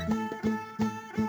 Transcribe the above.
San